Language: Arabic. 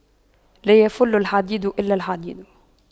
لا يَفُلُّ الحديد إلا الحديد